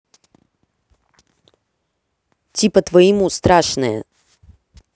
типа твоему страшное